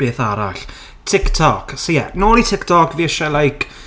Beth arall? TikTok. So ie nôl i TikTok. Fi isie like...